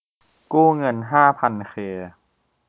กู้เงินห้าพันเค